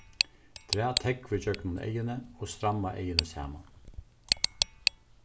drag tógvið gjøgnum eyguni og stramma eyguni saman